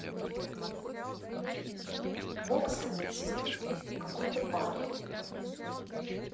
бокс комментирует какой то парень